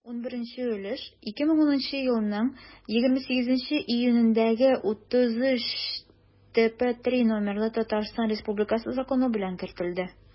11 өлеш 2010 елның 28 июнендәге 33-трз номерлы татарстан республикасы законы белән кертелде.